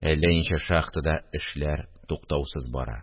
Әллә ничә шахтада эшләр туктаусыз бара